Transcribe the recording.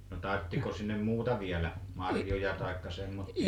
no tarvitsiko sinne muuta viedä marjoja tai semmoisia